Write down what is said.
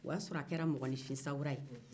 o y'a sɔrɔ a kɛra mɔgɔninfinsawura ye